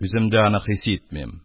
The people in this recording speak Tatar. Үземдә аны хис итмим.